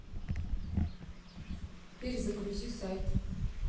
перезагрузи сайт